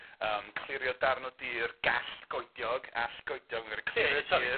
Yym clirio darn o dir gallgoediog allgoedio ma' gor'o' clirio tir.